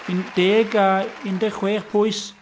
deg a un deg chwech pwys.